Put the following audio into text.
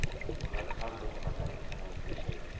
ular har doim vatanimiz himoyasiga shay